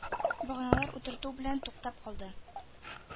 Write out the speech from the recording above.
Баганалар утырту белән туктап калды.